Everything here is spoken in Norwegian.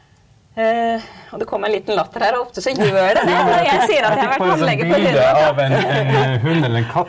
og det kom en liten latter her og ofte så gjør det det når jeg sier at jeg har vært tannlege for hund og katt .